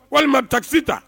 Walima ta kisisi ta